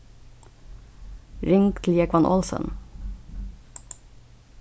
ring til jógvan olsen